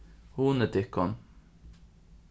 hugnið tykkum